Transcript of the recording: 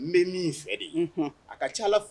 N bɛ min fɛ de a ka ca ala fɛ